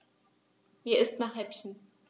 Mir ist nach Häppchen.